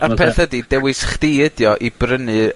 A'r peth ydi dewis chdi ydi o i brynu